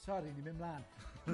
Sori, ni'n myn' mlan.